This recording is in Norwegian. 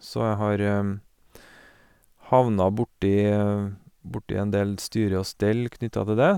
Så jeg har havna borti borti en del styre og stell knytta til dét.